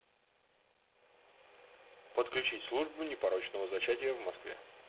подключить службу непорочного зачатия в москве